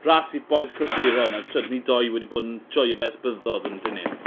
rhas i'r bois clasuron a'r t'od ni doi wedi bod yn joio fe ers blyddodd on'd 'yn ni?